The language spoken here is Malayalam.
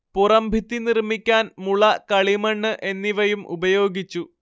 പുറം ഭിത്തി നിർമ്മിക്കാൻ മുള കളിമണ്ണ് എന്നിവയും ഉപയോഗിച്ചു